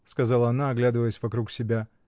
— сказала она, оглядываясь вокруг себя.